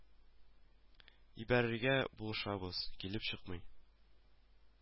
Ибәрергә булашабыз, килеп чыкмый